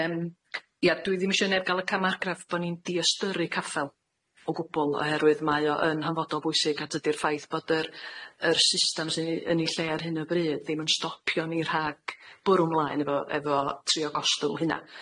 Yym ia dwi ddim isio neb ga'l y camagraff bo' ni'n diystyrru caffel, o gwbwl oherwydd mae o yn hanfodol bwysig at ydi'r ffaith bod yr yr system sy'n 'i yn 'i lle ar hyn o bryd ddim yn stopio ni rhag bwrw mlaen efo efo trio gostwng hynna.